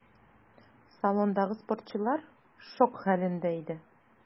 Салондагы спортчылар шок хәлендә иде.